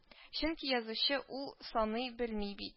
Чөнки язучы ул саный белми бит